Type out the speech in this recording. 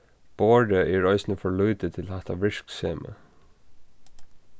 borðið er eisini for lítið til hatta virksemið